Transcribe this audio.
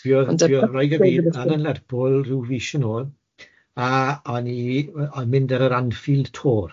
Fuodd fuodd wraig a fi lan yn Lerpwl ryw fis yn ôl a o'n i o mynd ar yr Anfield Tour.